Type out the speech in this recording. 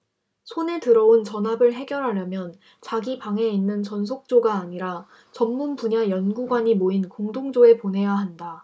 손에 들어온 전합을 해결하려면 자기 방에 있는 전속조가 아니라 전문분야 연구관이 모인 공동조에 보내야 한다